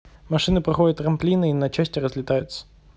машины проходят трамплины на части разлетаются